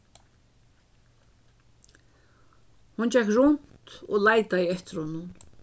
hon gekk runt og leitaði eftir honum